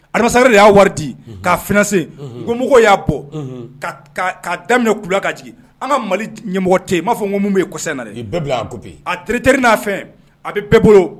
Aliri de y'a wari di k'a fse komɔgɔ y'a bɔ daminɛ kula ka jigin an ka mali ɲɛmɔgɔ tɛ yen m'a fɔ ko mun ye kɔsɛbɛ na bɛɛ a ti terikɛri n'a fɛ a bɛ bɛɛ bolo